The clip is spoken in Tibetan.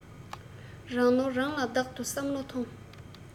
རང ནོར རང ལ བདག དུས བསམ བློ ཐོངས